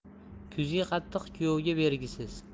kuzgi qatiq kuyovga bergisiz